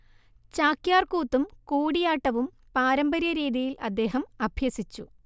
ചാക്യാർ കൂത്തും കൂടിയാട്ടവും പാരമ്പര്യ രീതിയിൽ അദ്ദേഹം അഭ്യസിച്ചു